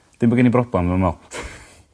Dim bo' gin i broblem